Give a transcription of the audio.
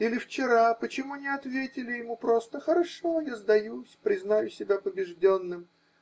Или вчера -- почему не ответили ему просто: хорошо, я сдаюсь, признаю себя побежденным?